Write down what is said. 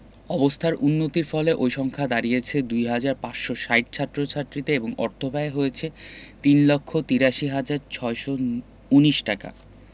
অবস্থার উন্নতির ফলে ওই সংখ্যা দাঁড়িয়েছে ২ হাজার ৫৬০ ছাত্রছাত্রীতে এবং অর্থব্যয় হয়েছে ৩ লক্ষ ৮৩ হাজার ৬১৯ টাকা